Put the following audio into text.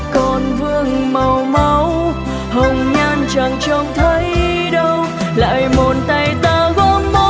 mắt còn vương màu máu hồng nhan chẳng trông thấy đâu lại một tay ta gõ mõ